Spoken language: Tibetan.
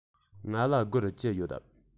ང ལ སྒོར བཅུ ཡོད